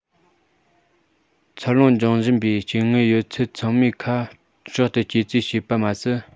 འཚར ལོངས འབྱུང བཞིན པའི སྐྱེ དངོས ཡོད ཚད ཚང མས ཁ དབྲག ཏུ སྐྱེ རྩིས བྱེད པ མ ཟད